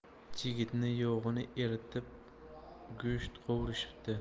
chigitni yog'ini eritib go'sht qovurishibdi